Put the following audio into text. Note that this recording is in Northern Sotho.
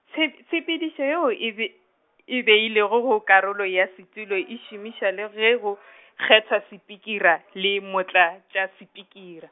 tshe-, tshepedišo yeo e be, e beilwego go karolo ya setulo e šomišwa le ge go , kgethwa Spikara, le Motlatšaspikara.